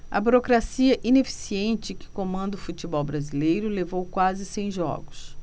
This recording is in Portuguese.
a burocracia ineficiente que comanda o futebol brasileiro levou quase cem jogos